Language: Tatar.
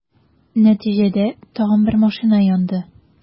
Нәтиҗәдә, тагын бер машина янды.